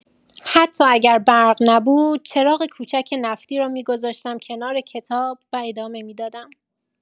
حتی اگر برق نبود، چراغ کوچک نفتی را می‌گذاشتم کنار کتاب و ادامه می‌دادم.